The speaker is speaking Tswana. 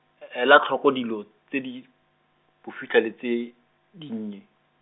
e ela tlhoko dilo, tse di, bofitlha le tse, dinnye.